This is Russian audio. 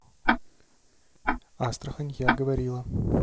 астрахань я говорила